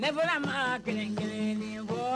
Ne fana ma 1,1 ni fɔ